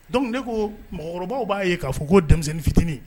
Dɔnkuc de ko mɔgɔkɔrɔba b'a ye k'a fɔ ko denmisɛnnin fitinin